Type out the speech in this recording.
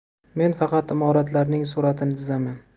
men faqat imoratlarning suratini chizamen